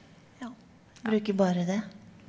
ja bruker bare det.